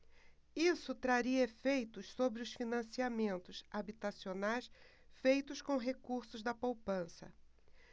isso traria efeitos sobre os financiamentos habitacionais feitos com recursos da poupança